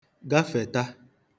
gafeta